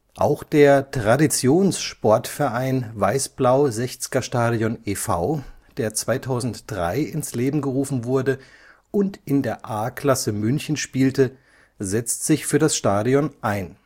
Auch der TraditionsSportVerein Weiss-Blau Sechzgerstadion e. V., der 2003 ins Leben gerufen wurde und in der A-Klasse München spielte, setzt sich für das Stadion ein